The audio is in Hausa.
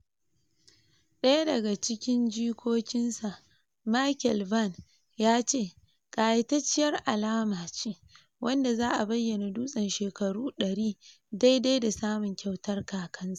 Ɗaya daga cikin jikokinsa, Michael Vann, ya ce "kayatacciyar alama" ce wanda za a bayyana dutsen shekaru 100 daidai da samun kyautar kakansa.